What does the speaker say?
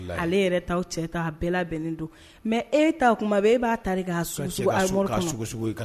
Lahi ale yɛrɛ taw cɛ k'a bɛɛ labɛnnen don mais e taw tuma bɛɛ e b'a ta de k'a sugu-sugu armoire kɔnɔ